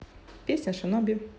песня шиноби